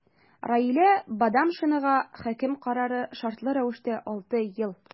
Раилә Бадамшинага хөкем карары – шартлы рәвештә 6 ел.